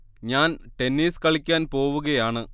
ഞാൻ ടെന്നിസ് കളിക്കാൻ പോവുകയാണ്